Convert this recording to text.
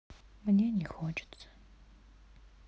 мне не хочется